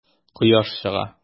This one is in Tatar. Кояш чыга.